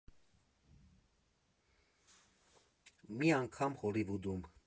Մի անգամ Հոլիվուդում։